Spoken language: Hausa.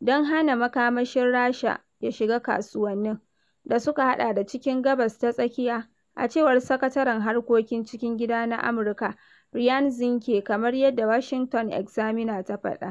don hana makamashin Rasha ya shiga kasuwannin, da suka haɗa da cikin Gabas ta Tsakiya, a cewar Sakataren Harkokin Cikin Gida na Amurka Ryan Zinke, kamar yadda Washington Examiner ta faɗa.